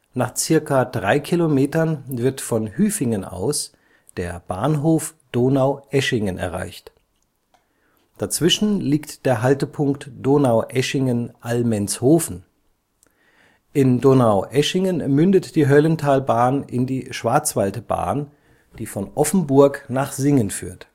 Nach circa drei Kilometern wird von Hüfingen aus der Bahnhof Donaueschingen erreicht. Dazwischen liegt der Haltepunkt Donaueschingen-Allmendshofen. In Donaueschingen mündet die Höllentalbahn in die Schwarzwaldbahn, die von Offenburg nach Singen führt